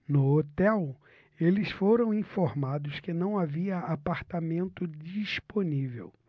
no hotel eles foram informados que não havia apartamento disponível